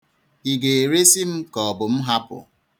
Ị ga-eresi m ka ọ bụ m hapụ?